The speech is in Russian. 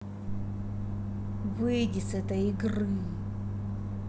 выйди с этой игры